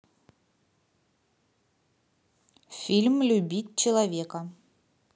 фильм любить человека